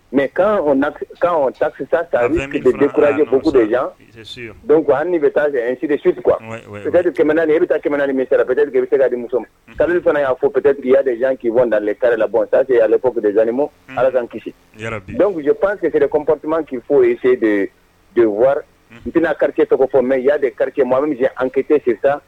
Mɛ kan tasi tan kurabugu de jan don an ni bɛ taa sidi suddi kɛmɛ i bɛ taa kɛ nimi sarapd bɛ se kamu ta fana y'a fɔ ppd yad jan k'i bɔdalile karila bɔnɔntasealeperedzmu alaz kisi dɔno panseserepti k'i foyi se de wari n tɛna karike tɔgɔ fɔ mɛ ya de karike mɔgɔ ankete sisan